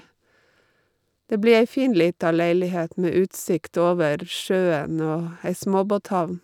Det blir ei fin lita leilighet med utsikt over sjøen og ei småbåthavn.